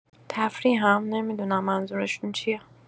تفریحم نمی‌دونم منظورشون چیه.